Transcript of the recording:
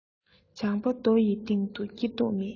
ལྗང པ རྡོ ཡི སྟེང དུ སྐྱེ མདོག མེད